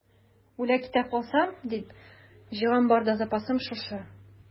Үлә-китә калсам дип җыйган бар запасым шушы.